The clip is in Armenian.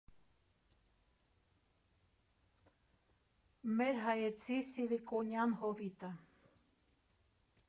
Մեր հայեցի սիլիկոնյան հովիտը.